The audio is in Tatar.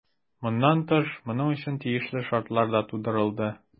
Моннан тыш, моның өчен тиешле шартлар да тудырылды.